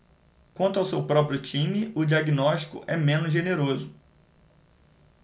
quanto ao seu próprio time o diagnóstico é menos generoso